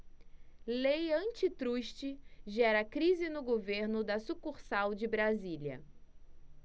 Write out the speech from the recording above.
lei antitruste gera crise no governo da sucursal de brasília